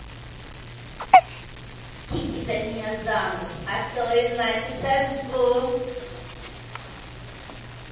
идти за меня замуж а то иначе сожгу